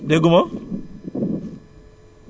Barra Ciss Kër *